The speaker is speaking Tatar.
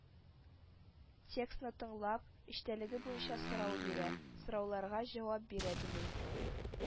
Текстны тыңлап, эчтəлеге буенча сорау бирə, сорауларга җавап бирə белү;